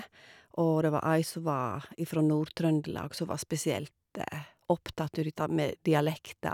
Og det var ei som var ifra Nord-Trøndelag som var spesielt opptatt av dette med dialekter.